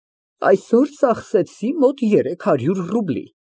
Այսօր ծախսեցի մոտ երեք հարյուր ռուբլի։